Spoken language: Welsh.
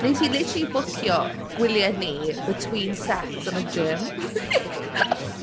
Wnes i literally bwcio gwyliau ni between sets yn y gym.